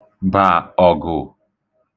bà ọ̀gụ̀